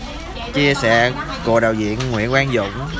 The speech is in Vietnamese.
chia sẻ của đạo diễn nguyễn quang dũng